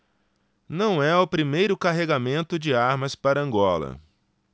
não é o primeiro carregamento de armas para angola